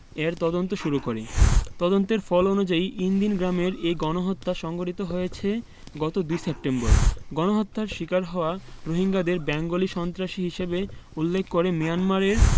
এর তদন্ত শুরু করে তদন্তের ফল অনুযায়ী ইনদিন গ্রামের ওই গণহত্যা সংঘটিত হয়েছে গত ২ সেপ্টেম্বর গণহত্যার শিকার হওয়া রোহিঙ্গাদের বেঙ্গলি সন্ত্রাসী হিসেবে উল্লেখ করে মিয়ানমারের